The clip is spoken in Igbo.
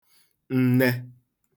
nne